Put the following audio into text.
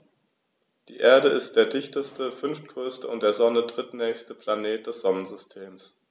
Die Erde ist der dichteste, fünftgrößte und der Sonne drittnächste Planet des Sonnensystems.